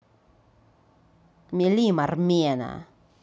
melim армена